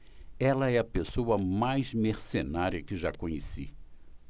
ela é a pessoa mais mercenária que já conheci